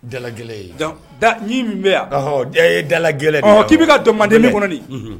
Dalagɛ ye min bɛ yan ye dalagɛ k'i bɛ ka dɔn mandeden kɔni